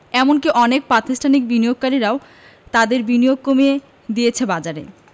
এমনকি অনেক প্রাতিষ্ঠানিক বিনিয়োগকারীও তাদের বিনিয়োগ কমিয়ে দিয়েছে বাজারে